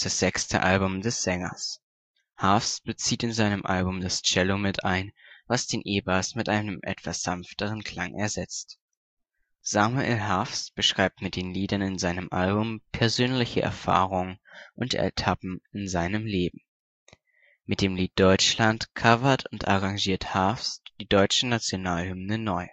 6. Album des Sängers. Harfst bezieht bei seinem Album das Cello mit ein, was den E-Bass mit einem etwas sanfteren Klang ersetzt. Samuel Harfst beschreibt mit den Liedern in seinem Album persönliche Erfahrungen und Etappen in seinem Leben. Mit dem Lied Deutschland covert und arrangiert Harfst die Deutsche Nationalhymne neu